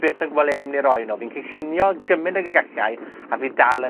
byth yn gwelefim ni roi n ofyn cynllunio gymunt ag ygallau, a fu dal yn